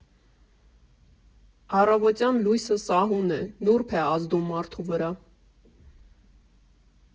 «Առավոտյան լույսը սահուն է, նուրբ է ազդում մարդու վրա։